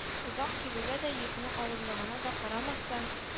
Озак килүгә дә, йөкнең авырлыгына да карамастан